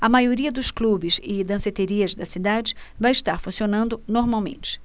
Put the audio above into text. a maioria dos clubes e danceterias da cidade vai estar funcionando normalmente